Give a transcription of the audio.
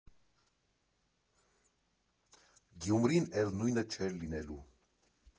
Գյումրին էլ նույնը չէր լինելու։